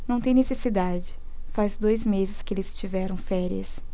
não tem necessidade faz dois meses que eles tiveram férias